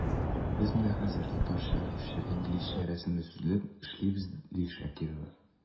Без менә хәзер “Татарча-русча-инглизчә рәсемле сүзлек” эшлибез, ди Шакирова.